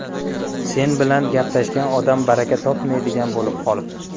sen bilan gaplashgan odam baraka topmaydigan bo'lib qolibdi